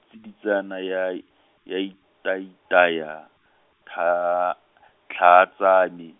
tsiditsana ya i-, ya itayaitaya, thaa- , tlhaa tsa me.